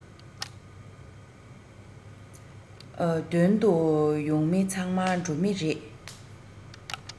དོན དུ ཡོང མི ཚང མ འགྲོ མི རེད